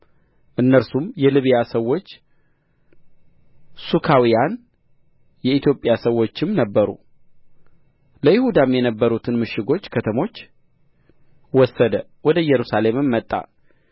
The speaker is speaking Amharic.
እነርሱም የልብያ ሰዎች ሱካውያን የኢትዮጵያ ሰዎችም ነበሩ ለይሁዳም የነበሩትን ምሽጎች ከተሞች ወሰደ ወደ ኢየሩሳሌምም መጣ